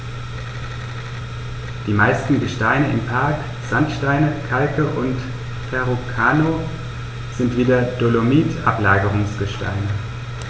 Die meisten Gesteine im Park – Sandsteine, Kalke und Verrucano – sind wie der Dolomit Ablagerungsgesteine.